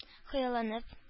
Хыялланып